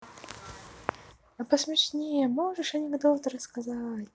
а посмешнее можешь анекдот рассказать